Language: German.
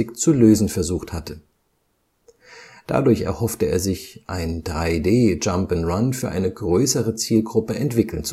zu lösen versucht hatte. Dadurch erhoffte er sich, ein 3D-Jump -’ n’ - Run für eine größere Zielgruppe entwickeln